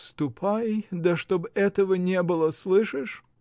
— Ступай, да чтоб этого не было, слышишь?